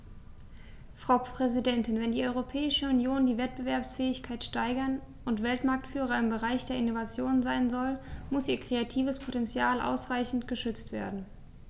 Frau Präsidentin, wenn die Europäische Union die Wettbewerbsfähigkeit steigern und Weltmarktführer im Bereich der Innovation sein soll, muss ihr kreatives Potential ausreichend geschützt werden.